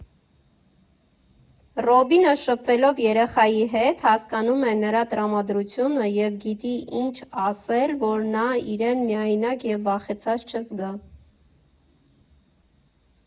Ռոբինը, շփվելով երեխայի հետ, հասկանում է նրա տրամադրությունը և գիտի՝ ինչ ասել, որ նա իրեն միայնակ և վախեցած չզգա։